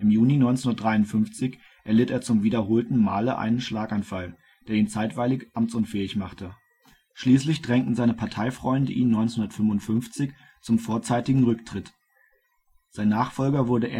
Juni 1953 erlitt er zum wiederholten Mal einen Schlaganfall, der ihn zeitweilig amtsunfähig machte. Schließlich drängten seine Parteifreunde ihn 1955 zum vorzeitigen Rücktritt. Sein Nachfolger wurde Anthony Eden